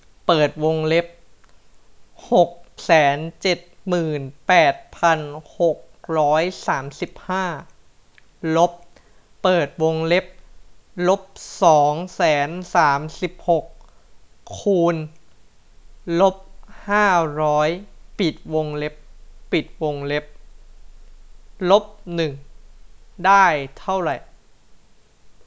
เปิดวงเล็บหกแสนเจ็ดหมื่นแปดพันหกร้อยสามสิบห้าลบเปิดวงเล็บลบสองแสนสามสิบหกคูณลบห้าร้อยปิดวงเล็บปิดวงเล็บลบหนึ่งได้เท่าไร